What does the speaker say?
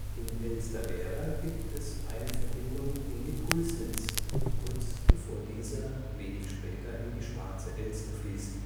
In Elsterwerda gibt es eine Verbindung in die Pulsnitz, kurz bevor diese wenig später in die Schwarze Elster fließt